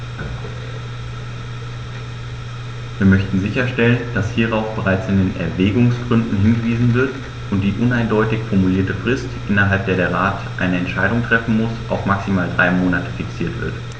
Wir möchten sicherstellen, dass hierauf bereits in den Erwägungsgründen hingewiesen wird und die uneindeutig formulierte Frist, innerhalb der der Rat eine Entscheidung treffen muss, auf maximal drei Monate fixiert wird.